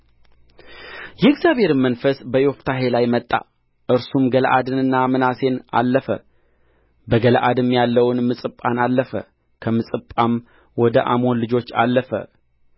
የእግዚአብሔርም መንፈስ በዮፍታሔ ላይ መጣ እርሱም ገለዓድንና ምናሴን አለፈ በገለዓድም ያለውን ምጽጳን አለፈ ከምጽጳም ወደ አሞን ልጆች አለፈ ዮፍታሔም